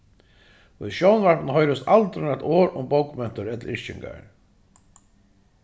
í sjónvarpinum hoyrist aldrin eitt orð um bókmentir ella yrkingar